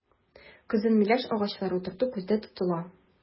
Көзен миләш агачлары утырту күздә тотыла.